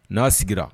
N'a sigira